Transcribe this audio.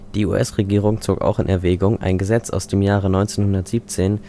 Die US-Regierung zog auch in Erwägung, ein Gesetz aus dem Jahre 1917